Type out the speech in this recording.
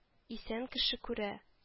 Исән кеше күрә